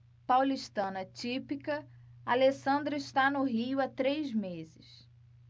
paulistana típica alessandra está no rio há três meses